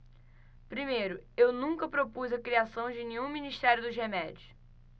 primeiro eu nunca propus a criação de nenhum ministério dos remédios